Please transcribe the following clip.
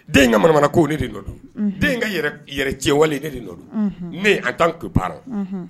Den ka manamana ko ne de nɔ ka cɛwale ne de nɔ don ne an kan ka baara